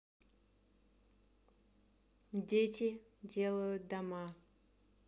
дети делают дома